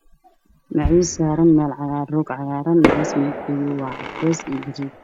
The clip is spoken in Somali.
Macawis saran meel. cagaaran macawista medebkoodu waa cadees. iyo gariin